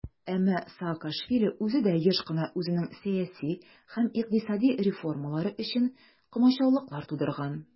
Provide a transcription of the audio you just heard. Әмма Саакашвили үзе дә еш кына үзенең сәяси һәм икътисади реформалары өчен комачаулыклар тудырган.